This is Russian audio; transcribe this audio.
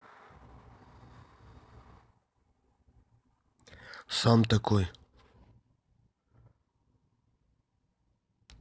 сам такой